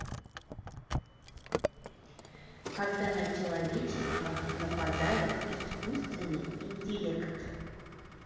когда на человечество нападет искусственный интеллект